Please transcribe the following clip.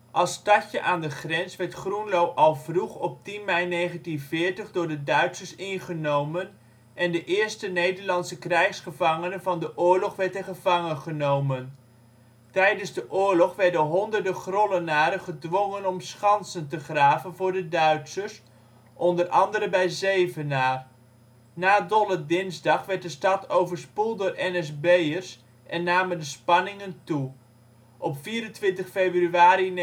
Als stadje aan de grens werd Groenlo al vroeg op 10 mei 1940 door de Duitsers ingenomen, en de eerste Nederlandse krijgsgevangene van de oorlog werd er gevangengenomen. Tijdens de oorlog werden honderden Grollenaren gedwongen om ' schansen ' te graven voor de Duitsers, onder andere bij Zevenaar. Na Dolle Dinsdag werd de stad overspoeld door NSB'ers en namen de spanningen toe. Op 24 februari 1945